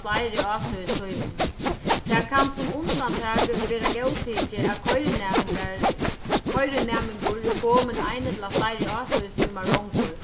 fleiri ástøðistímum tað kann sum undantak verða góðtikið at koyrinæmingar koyrinæmingur er komin ein ella fleiri ástøðistímar longur